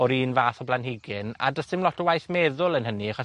o'r un fath o blanhigyn, a do's dim lot o waith meddwl yn hynny, achos